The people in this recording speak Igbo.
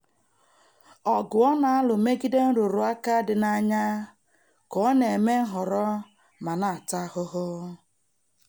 Ọgụ ọ na-alụ megide nrụrụ aka dị n'anya ka ọ na-eme nhọrọ ma na-ata ahụhụ.